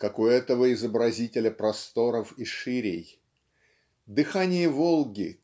как у этого изобразителя просторов и ширей. Дыхание Волги